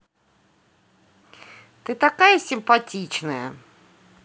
ты такая симпатичная